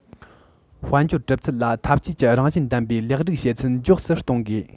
དཔལ འབྱོར གྲུབ ཚུལ ལ འཐབ ཇུས ཀྱི རང བཞིན ལྡན པའི ལེགས སྒྲིག བྱེད ཚད མགྱོགས སུ གཏོང དགོས